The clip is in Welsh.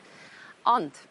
Ond